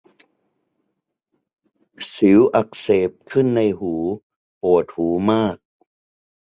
สิวอักเสบขึ้นในหูปวดหูมาก